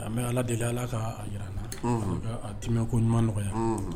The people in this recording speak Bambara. An bɛ ala deli ala ka jira na te ko ɲuman nɔgɔya